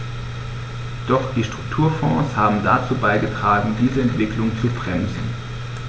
Doch die Strukturfonds haben dazu beigetragen, diese Entwicklung zu bremsen.